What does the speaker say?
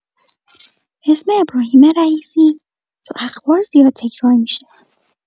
اسم ابراهیم رئیسی تو اخبار زیاد تکرار می‌شه.